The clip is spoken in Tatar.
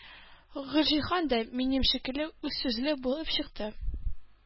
Гөлҗиһан да минем шикелле үзсүзле булып чыкты.